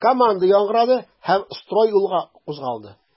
Команда яңгырады һәм строй юлга кузгалды.